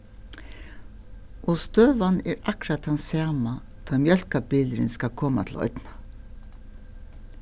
og støðan er akkurát tann sama tá mjólkarbilurin skal koma til oynna